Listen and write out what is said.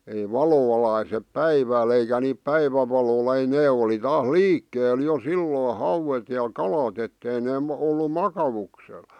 ei valo valaise päivällä eikä niitä päivänvalolla ei ne oli taas liikkeellä jo silloin hauet ja kalat että ei ne - ollut makauksella